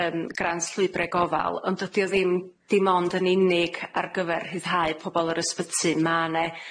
Yym Grant Llwybre Gofal. Ond dydi o ddim dim ond yn unig ar gyfer rhyddhau pobol o'r ysbyty. Ma' 'ne